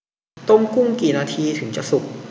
ต้มกุ้งกี่นาทีถึงจะสุก